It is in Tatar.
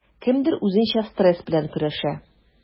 Кемдер үзенчә стресс белән көрәшә.